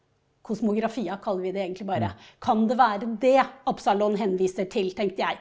Kosmografia kaller vi det egentlig bare, kan det være det Absalon henviser til, tenkte jeg.